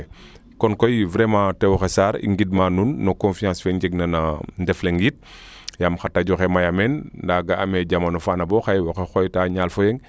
kon koy vraiment o tewoxe Sarr i ngid maa nuun no confiance fe nu njeg na no Ndefleng yit yaam xa radio xe maya meen ndaa ga'aame jamano faana bo xaye waxey xooyta ñaal fo yeng